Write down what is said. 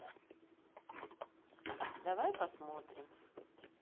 давай посмотрим